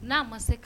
N'a ma se ka